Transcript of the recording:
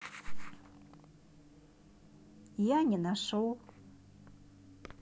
я не нашел